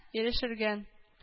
Ирешелгән